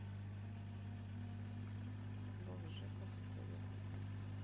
бог жека создает мир